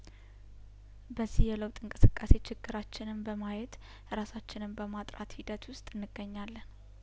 በዚህ የለውጥ እንቅስቃሴ ችግራችንን በማየት ራሳችንን በማጥራት ሂደት ውስጥ እንገኛለን